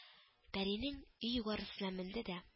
Пәри өйнең югарысына менде дә